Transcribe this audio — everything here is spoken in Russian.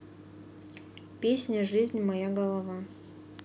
песня жизнь моя голова